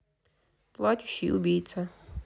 плачущий убийца